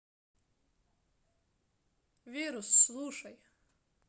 вирус слушай